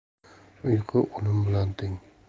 uyqu o'lim bilan teng